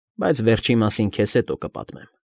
Բայց վերջի մասին քեզ հետո կպատմեմ։